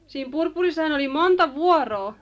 siinä purpurissahan oli monta vuoroa